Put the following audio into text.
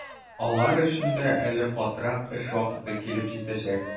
Алар өчен дә әле катырак эш вакыты килеп җитәчәк.